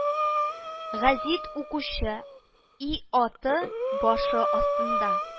Гәзит укучы и аты башы астында